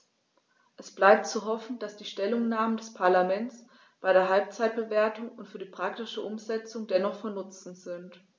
Es bleibt zu hoffen, dass die Stellungnahmen des Parlaments bei der Halbzeitbewertung und für die praktische Umsetzung dennoch von Nutzen sind.